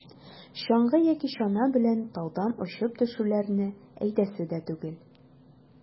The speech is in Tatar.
Чаңгы яки чана белән таудан очып төшүләрне әйтәсе дә түгел.